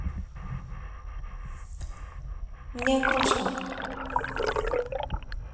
мне грустно